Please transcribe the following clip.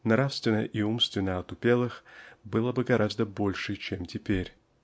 нравственно и умственно отупелых было бы гораздо больше чем теперь.